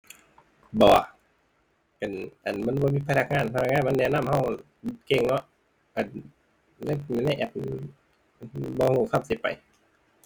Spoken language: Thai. บ่ เป็นอันมัน มันบ่มีพนักงาน พนักงานมาแนะนำเรา เก่งเนาะ อั่น ในมือถือ ในแอปมัน บ่เราคำซี้ไป